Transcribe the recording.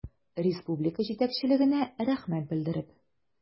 Республика җитәкчелегенә рәхмәт белдереп.